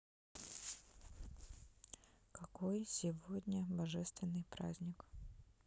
какой сегодня божественный праздник